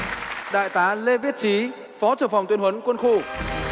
đại tá lê viết trí phó trưởng phòng tuyên huấn quân khu